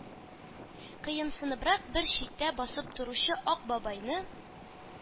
Кыенсыныбрак бер читтә басып торучы ак бабайны